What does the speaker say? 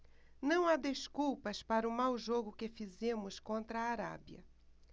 não há desculpas para o mau jogo que fizemos contra a arábia